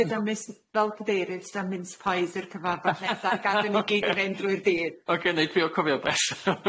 Ty'n ymys- fel cadeirydd sy'n yn mice pies i'r cyfarfod nesa a gadw ni gyd yn un drwy'r dydd. Ocê neud fi o cofio Beth.